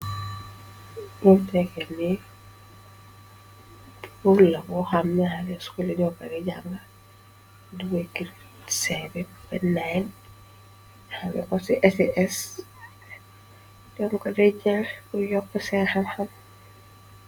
mu begeni ullabu xamnareskuli ñoppari jang dus penay bi ko ci ss denko dejin bu yokk seexan xam